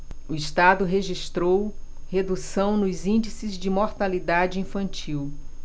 o estado registrou redução nos índices de mortalidade infantil